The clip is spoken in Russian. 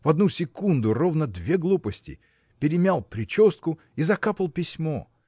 в одну секунду ровно две глупости: перемял прическу и закапал письмо.